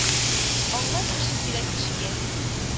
Аңлар кеше кирәк кешегә